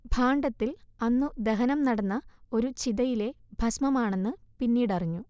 ഭാണ്ഡത്തിൽ അന്നു ദഹനം നടന്ന ഒരു ചിതയിലെ ഭസ്മമാണെന്ന് പിന്നീടറിഞ്ഞു